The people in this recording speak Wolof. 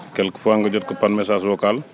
quelque fois nga jot ko par message vocal